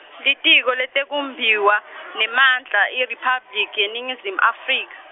Litiko leTekumbiwa, nemandla, IRiphabliki yeNingizimu Afrika.